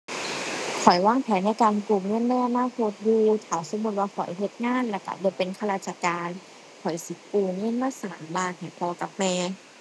ข้อยวางแผนในการกู้เงินในอนาคตอยู่ ถ้าสมมุติว่าข้อยเฮ็ดงาน แล้วก็ได้เป็นข้าราชการ ข้อยสิกู้เงินมาสร้างบ้านให้พ่อกับแม่